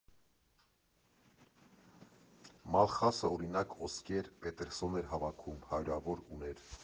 Մալխասը, օրինակ, Օսկեր Պետերսոն էր հավաքում՝ հարյուրավոր ուներ։